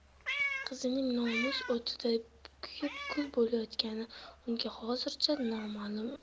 qizining nomus o'tida kuyib kul bo'layotgani unga hozircha noma'lum